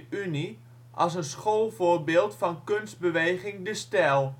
Unie als een schoolvoorbeeld van kunstbeweging De Stijl